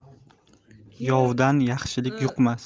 yovdan yaxshilik yuqmas